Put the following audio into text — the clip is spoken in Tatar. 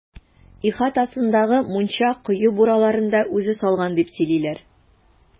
Ихатасындагы мунча, кое бураларын да үзе салган, дип тә сөйлиләр.